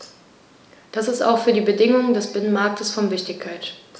Das ist auch für die Bedingungen des Binnenmarktes von Wichtigkeit.